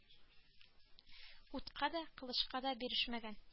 Утка да кылычка да бирешмәгән